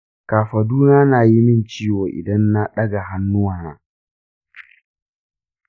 kafaduna na yi min ciwo idan na ɗaga hannuwana.